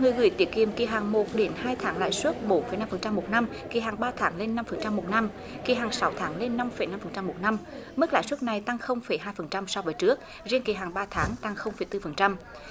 người gửi tiết kiệm kỳ hạn một đến hai tháng lãi suất bốn phẩy năm phần trăm một năm kỳ hạn ba tháng lên năm phần trăm một năm kỳ hạn sáu tháng lên năm phẩy năm phần trăm một năm mức lãi suất này tăng không phẩy hai phần trăm so với trước riêng kỳ hạn ba tháng tăng không phẩy tư phần trăm